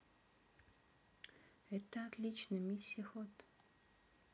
это отлично мисси хот